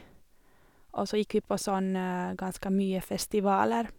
Og så gikk vi på sånn ganske mye festivaler.